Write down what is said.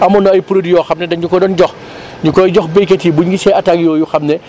amoon na ay produits yoo xam ne dañ ñu ko doon jox ñu koy jox béykat yi buñ gisee attaques yooyu xam ne